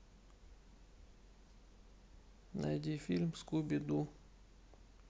найди фильм скуби ду